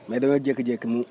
mais dañoo jékki-jékki mu